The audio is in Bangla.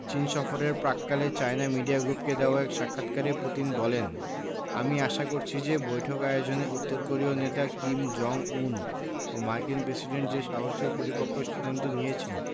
চীন সফরের প্রাক্কালে চায়না মিডিয়া গ্রুপকে দেওয়া এক সাক্ষাৎকারে পুতিন বলেন আমি আশা করছি যে বৈঠক আয়োজনে উত্তর কোরীয় নেতা কিম জং উন ও মার্কিন প্রেসিডেন্ট যে সাহসী ও পরিপক্ব সিদ্ধান্ত নিয়েছেন